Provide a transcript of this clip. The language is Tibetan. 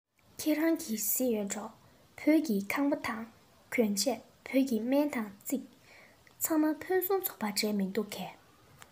ཁྱེད རང གིས གཟིགས ཡོད འགྲོ བོད ཀྱི ཁང པ དང གྱོན ཆས བོད ཀྱི སྨན དང རྩིས ཚང མ ཕུན སུམ ཚོགས པོ འདྲས མི འདུག གས